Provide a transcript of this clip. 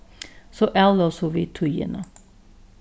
so avlósu vit tíðina